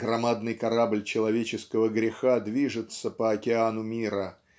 Громадный корабль человеческого греха движется по океану мира